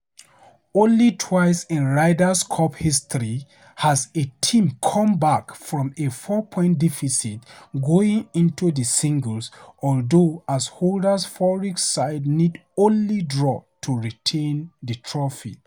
Only twice in Ryder Cup history has a team come back from a four-point deficit going into the singles, although as holders Furyk's side need only draw to retain the trophy.